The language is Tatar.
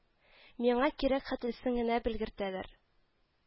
Миңа кирәк хәтлесен генә белгертәләр